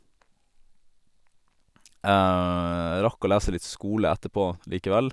Jeg rakk å lese litt skole etterpå likevel.